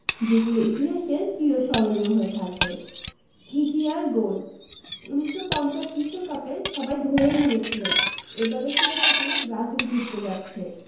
যেগুলো ইতিহাসে চিরস্মরণীয় হয়ে থাকবে ঘিঘিয়ার গোল ১৯৫০ বিশ্বকাপে সবাই ধরেই নিয়েছিল এবারের শিরোপাটি ব্রাজিল জিততে যাচ্ছে